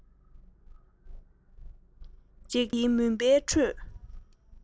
འཇིག རྟེན འདིའི མུན པའི ཁྲོད